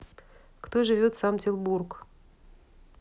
кто живет сам тилбург